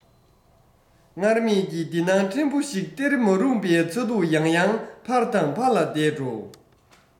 སྔར མེད ཀྱི བདེ སྣང ཕྲན བུ ཞིག སྟེར མ རུངས པའི ཚ གདུག ཡང ཡང ཕར དང ཕར ལ བདས འགྲོ